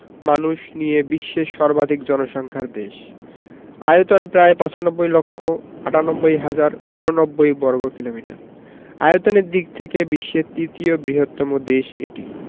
মানুষ নিয়ে বিশ্বের সর্বাধিক জনসংখ্যার দেশ আয়তন প্রায় ৯৫ লক্ষ ৯৮ হাজার ৮৯ বর্গকিলোমিটার আয়তনের দিক থেকে বিশ্বের তৃতীয় বৃহত্তম দেশ এটি